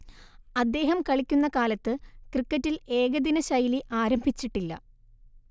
അദ്ദേഹം കളിക്കുന്ന കാലത്ത് ക്രിക്കറ്റിൽ ഏകദിനശൈലി ആരംഭിച്ചിട്ടില്ല